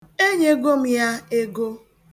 E nyego m ya ego.